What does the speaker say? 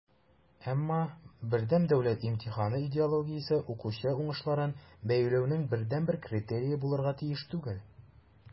Әмма БДИ идеологиясе укучы уңышларын бәяләүнең бердәнбер критерие булырга тиеш түгел.